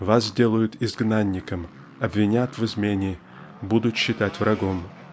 Вас сделают изгнанником, обвинят в измене, будут считать врагом.